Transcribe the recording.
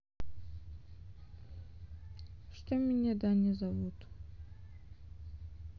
что меня даня зовут